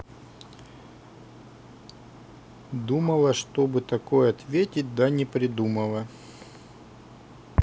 думала что бы такое ответить да не придумала